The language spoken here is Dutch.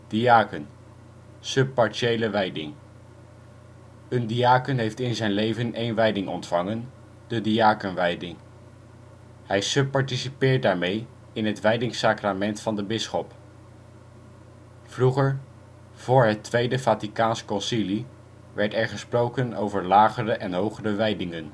Diaken (sub-partiële wijding): een diaken heeft in zijn leven één wijding ontvangen: de diakenwijding. Hij sub-participeert daarmee in het wijdingssacramant van de bisschop. Vroeger (vóór het Tweede Vaticaans Concilie) werd er gesproken over lagere en hogere wijdingen